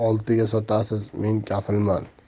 oltiga sotasiz men kafilman